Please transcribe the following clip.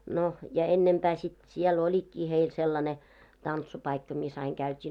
no ja ennempää sitten siellä olikin heillä sellainen tanssipaikka missä aina käytiin